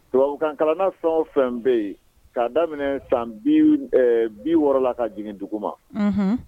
Tubabu kankalaana fɛn fɛn bɛ yen k'a daminɛ san bi wɔɔrɔ la ka jigin dugu ma